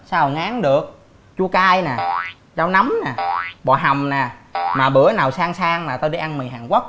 sao ngán được chua cay nè rau nấm nè bò hầm nè mà bữa nào sang sang là tao đi ăn mì hàn quốc